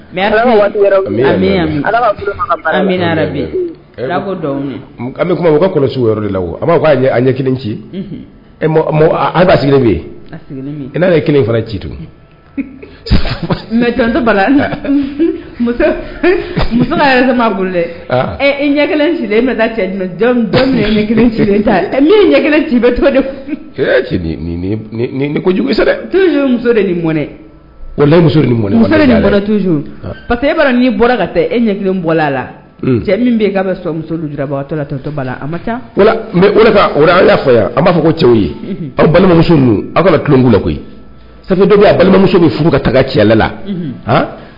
Mɛ bɛ kuma ka kɔlɔsi la b ɲɛ kelen ci ye kelen fara citutɔ muso bolo dɛ ɲɛ ɲɛ ci bɛ tugu muso mɔnɛmuso niɛ tu pa e n bɔra ka taa e ɲɛ kelen bɔra a la cɛ min bɛ' bɛmusotɔ ala y' fɔ yan an b'a fɔ ko cɛw ye aw balimamuso aw kala koyi sabu dɔ bɛ balimamuso bɛ furu ka taa cɛ la